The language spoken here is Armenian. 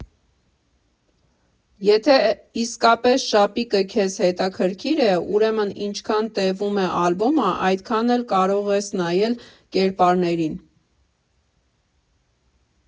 Եթե իսկապես շապիկը քեզ հետաքրքրիր է, ուրեմն ինչքան տևում է ալբոմը, այդքան էլ կարող ես նայել կերպարներին։